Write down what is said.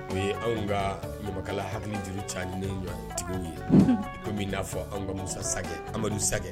U ye anw ka ɲamakala hakili juru ca ni yetigiw ye kɔmi bɛ'a fɔ anw ka musa amadusa